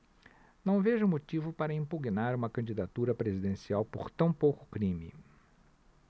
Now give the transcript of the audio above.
não vejo motivo para impugnar uma candidatura presidencial por tão pouco crime